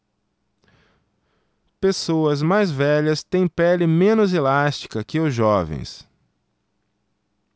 pessoas mais velhas têm pele menos elástica que os jovens